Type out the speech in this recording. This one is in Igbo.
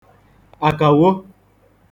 àkàwo